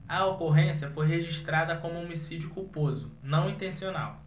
a ocorrência foi registrada como homicídio culposo não intencional